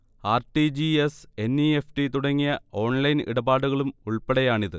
R. T. G. S., N. E. F T. തുടങ്ങിയ online ഇടപാടുകളും ഉൾപ്പടെയാണിത്